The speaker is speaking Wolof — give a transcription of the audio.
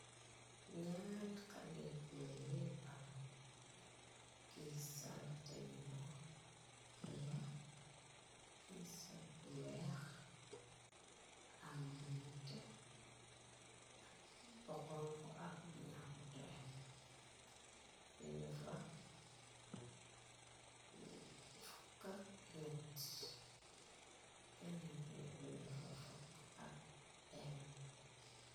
N'aari xale góor yey pal kiy saltani bu duna kiy sal bu weex am bu nate ak bokonk ak bu ñax bu toy bind 13 kenanki ñu bind fa fokk ak benn.